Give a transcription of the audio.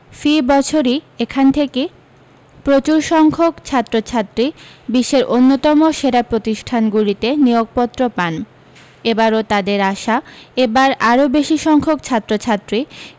ফি বছরই এখান থেকে প্রচুর সংখ্যক ছাত্র ছাত্রী বিশ্বের অন্যতম সেরা প্রতিষ্ঠানগুলিতে নিয়োগপত্র পান এবারও তাদের আশা এবার আরও বেশী সংখ্যক ছাত্র ছাত্রী